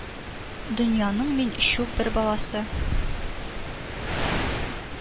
Дөньяның мин чүп бер баласы